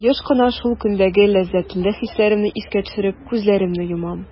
Еш кына шул көндәге ләззәтле хисләрне искә төшереп, күзләремне йомам.